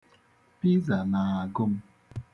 Piza na-agụ m.